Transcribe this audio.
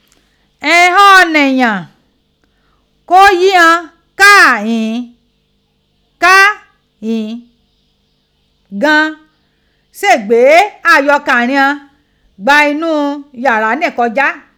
Ighan èèyàn kó yí ghan ká yí ghan ká, ghann se gbé àyọkà righan gba inú yàrá ni kọjá.